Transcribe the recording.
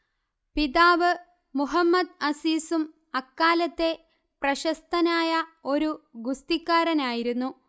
പിതാവ് മുഹമ്മദ് അസീസും അക്കാലത്തെ പ്രശസ്തനായ ഒരു ഗുസ്തിക്കാരനായിരുന്നു